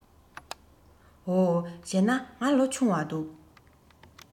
འོ བྱས ན ང ལོ ཆུང བ འདུག